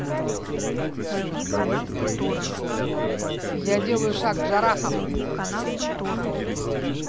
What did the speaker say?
я делаю шаг джарахов